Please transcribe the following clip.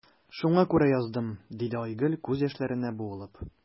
Шуңа күрә яздым,– диде Айгөл, күз яшьләренә буылып.